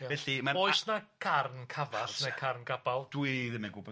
Gelly mae'n A-... Oes 'na carn Cafall? Neu carn Cabal? Dwi ddim yn gwbod.